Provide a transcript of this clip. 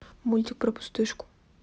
мультик про пустышку